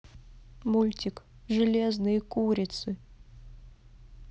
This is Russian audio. мультик железные курицы